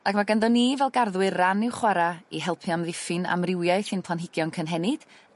Ag ma' ganddon ni fel garddwyr ran i'w chwara i helpu amddiffyn amrywiaeth i'n planhigion cynhenid